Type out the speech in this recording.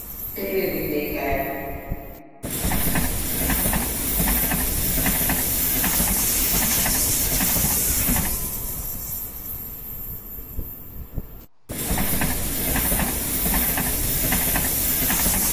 Teere bindeekaay